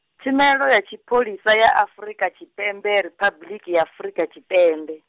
Tshumelo ya Tshipholisa ya Afrika Tshipembe Riphabuḽiki ya Afrika Tshipembe.